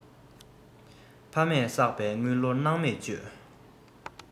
ཕ མས བསགས པའི དངུལ ལོར སྣང མེད སྤྱོད